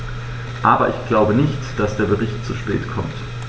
Aber ich glaube nicht, dass der Bericht zu spät kommt.